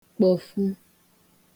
kpọ̀fu